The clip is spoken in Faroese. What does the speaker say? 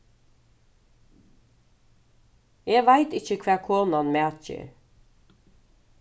eg veit ikki hvat konan matger